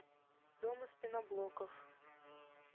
дом из пеноблоков